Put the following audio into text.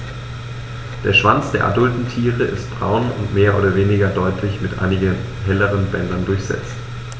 Der Schwanz der adulten Tiere ist braun und mehr oder weniger deutlich mit einigen helleren Bändern durchsetzt.